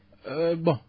bon